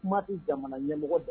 Kuma tɛ jamana ɲɛmɔgɔ da